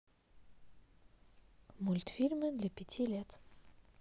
мультфильмы для пяти лет